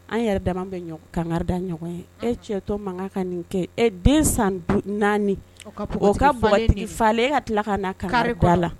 An yɛrɛ dama bɛ kanda ɲɔgɔn ye e cɛtɔ mankan ka nin kɛ ɛ den san naani ka falen e ka tila ka' ka kari la